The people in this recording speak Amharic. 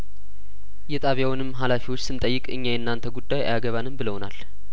የጣቢያውንም ሀላፊዎች ስንጠይቅ እኛ የእናንተ ጉዳይ አያገባንም ብለውናል